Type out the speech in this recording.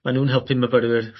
ma' nw'n helpu myfyrwyr